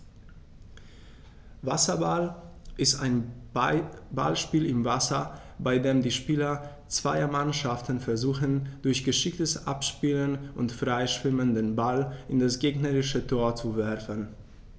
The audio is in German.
Wasserball ist ein Ballspiel im Wasser, bei dem die Spieler zweier Mannschaften versuchen, durch geschicktes Abspielen und Freischwimmen den Ball in das gegnerische Tor zu werfen.